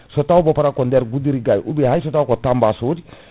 so taw bo pa* ko bder Goudiri ga ou bien hay so Tamba sodi